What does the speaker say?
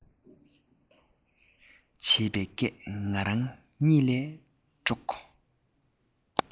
བྱེད པའི སྒྲས ང རང གཉིད ལས དཀྲོགས